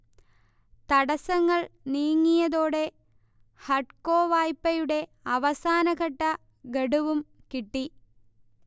തടസ്സങ്ങൾ നീങ്ങിയതോടെ ഹഡ്കോ വായ്പയുടെ അവസാനഘട്ട ഗഡുവും കിട്ടി